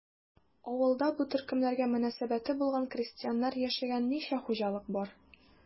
Авылда бу төркемнәргә мөнәсәбәте булган крестьяннар яшәгән ничә хуҗалык бар?